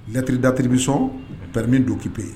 Lat datiriribisɔn prime donkipi yen